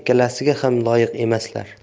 ikkalasiga ham loyiq emaslar